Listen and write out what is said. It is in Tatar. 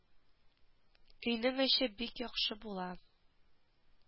Өйнең эче бик яхшы була